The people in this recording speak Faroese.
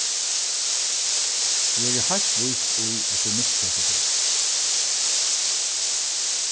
eg eri heilt vís í at tú mistekur teg